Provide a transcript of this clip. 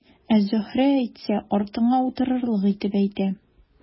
Ә Зөһрә әйтсә, артыңа утыртырлык итеп әйтә.